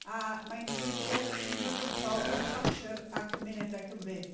A mae'n frwydr uniongyrchol rhwng Thatcher a chymunedau Cymru.